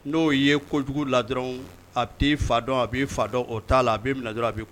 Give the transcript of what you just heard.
N'o ye kojugu la dɔrɔn a'i fa dɔn a b'i dɔn o t'a la a bɛ a